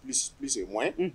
plus et moins